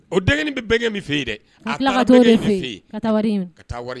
O deng bɛ bɛn bɛ fɛ yen dɛ